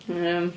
Yym.